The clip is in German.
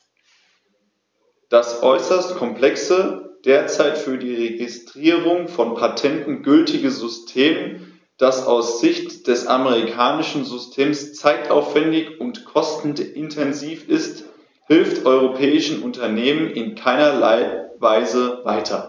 Das äußerst komplexe, derzeit für die Registrierung von Patenten gültige System, das aus Sicht des amerikanischen Systems zeitaufwändig und kostenintensiv ist, hilft europäischen Unternehmern in keinerlei Weise weiter.